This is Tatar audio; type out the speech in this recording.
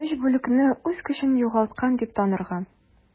3 бүлекне үз көчен югалткан дип танырга.